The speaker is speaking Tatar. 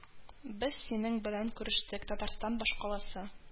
Без синең белән күрештек Татарстан башкаласы